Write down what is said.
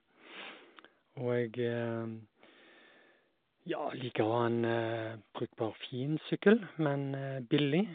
Og jeg, ja, liker å ha en brukbar fin sykkel, men billig.